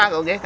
Maaga o geekaa